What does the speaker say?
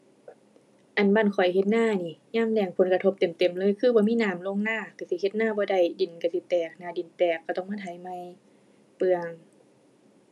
อั่น บ้านข้อยเฮ็ดนานี่ยามแล้งผลกระทบเต็มเต็มเลย คือบ่มีน้ำลงนาก็สิเฮ็ดนาบ่ได้ ดินก็สิแตก หน้าดินแตกก็ต้องมาไถใหม่ เปลือง